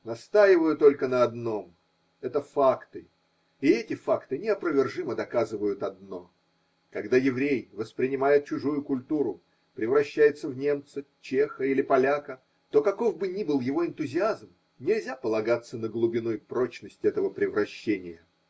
Настаиваю только на одном: это факты, и эти факты неопровержимо доказывают одно: когда еврей воспринимает чужую культуру, превращается в немца, чеха или поляка, то каков бы ни был его энтузиазм, нельзя полагаться на глубину и прочность этого превращения.